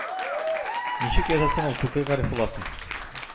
Ничек ясасын ул Күке Гарифулласын?!